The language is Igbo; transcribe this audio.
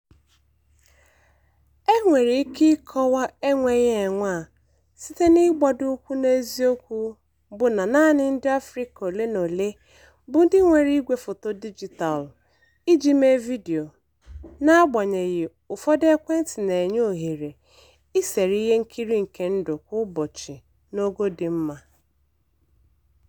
E nwere ike ịkọwa enweghị enwe a site n'ịgbadoukwu n'eziokwu bụ na naanị ndị Afrịka ole na ole bu ndị nwere igwefoto dijitalụ iji mee vidiyo, n'agbanyeghị, ụfọdụ ekwentị na-enye ohere isere ihe nkiri nke ndụ kwa ụbọchị n'ogo dị mma.